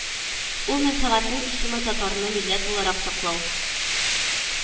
Ул мәнфәгатьнең исеме татарны милләт буларак саклау